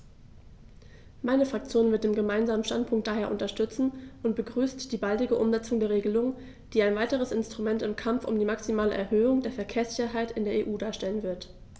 Meine Fraktion wird den Gemeinsamen Standpunkt daher unterstützen und begrüßt die baldige Umsetzung der Regelung, die ein weiteres Instrument im Kampf um die maximale Erhöhung der Verkehrssicherheit in der EU darstellen wird.